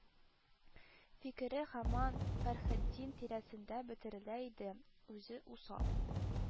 Фикере һаман фәрхетдин тирәсендә бөтерелә иде: «үзе усал,